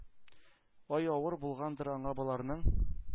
Ай, авыр булгандыр аңа боларның